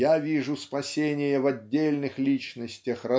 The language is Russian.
я вижу спасение в отдельных личностях